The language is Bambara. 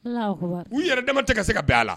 U yɛrɛ dama tɛ ka se ka bɛn a la